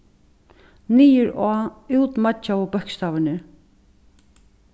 niður á útmeiggjaðu bókstavirnir